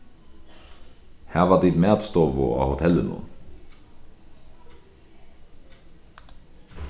hava tit matstovu á hotellinum